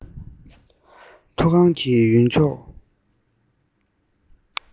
མཐོ སྒང གི ཡུལ མཆོག